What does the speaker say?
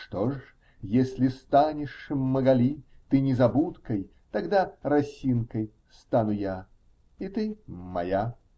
-- Что ж, если станешь, Магали, Ты незабудкой, -- Тогда росинкой стану я И ты моя.